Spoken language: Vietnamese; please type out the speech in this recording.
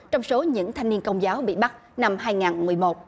trong số những thanh niên công giáo bị bắt năm hai ngàn mười một